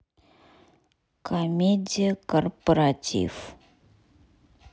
комедия корпоратив